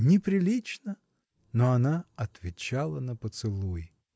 неприлично, но она отвечала на поцелуй.